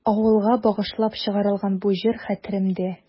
Авылга багышлап чыгарылган бу җыр хәтеремдә.